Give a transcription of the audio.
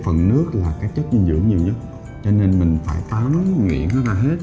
phần nước là cái chất dinh dưỡng nhiều nhất cho nên mình phải tán nhuyễn nó ra hết